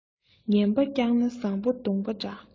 ངན པ བསྐྱངས ན བཟང པོ བརྡུངས པ འདྲ